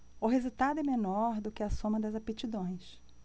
o resultado é menor do que a soma das aptidões